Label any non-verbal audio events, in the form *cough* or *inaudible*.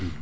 *hesitation* *hesitation*